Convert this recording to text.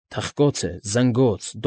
Թխկոց է։ Զնգոց։